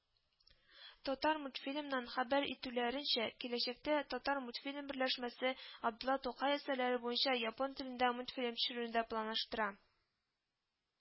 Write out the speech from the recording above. Татармультфильмнан хәбәр итүләренчә, киләчәктә Татармультфильм берләшмәсе Габдулла Тукай әсәрләре буенча япон телендә мультфильм төшерүне дә планлаштыра